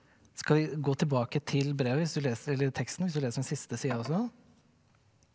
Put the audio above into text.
skal vi gå tilbake til brevet hvis du leser eller teksten hvis du leser den siste sida også?